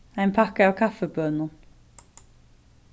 ein pakka av kaffibønum